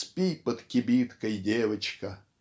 Спи под кибиткой, девочка!